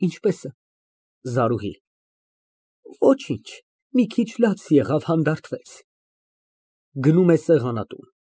Ինչպե՞ս է։ ԶԱՐՈՒՀԻ ֊ Ոչինչ, մի քիչ լաց եղավ, հանդարտվեց (Գնում է սեղանատուն)։